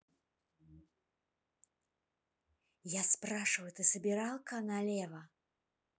я спрашиваю ты собирал ка налево